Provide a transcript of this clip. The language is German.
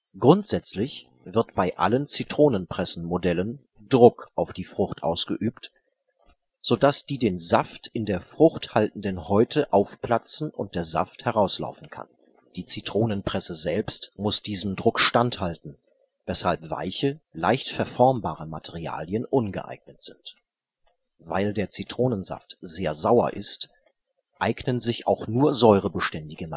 Grundsätzlich wird bei allen Zitronenpressenmodellen Druck auf die Frucht ausgeübt, so dass die den Saft in der Frucht haltenden Häute aufplatzen und der Saft herauslaufen kann. Die Zitronenpresse selbst muss diesem Druck standhalten, weshalb weiche, leicht verformbare Materialien ungeeignet sind. Weil der Zitronensaft sehr sauer ist, eignen sich auch nur säurebeständige